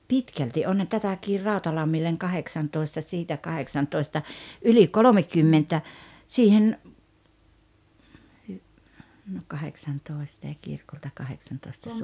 pitkälti onhan tätäkin Rautalammille kahdeksantoista siitä kahdeksantoista yli kolmekymmentä siihen - no kahdeksantoista ja kirkolta kahdeksantoista -